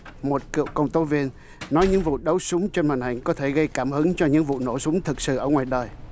một cựu công tố viên nói những vụ đấu súng trên màn ảnh có thể gây cảm hứng cho những vụ nổ súng thật sự ở ngoài đời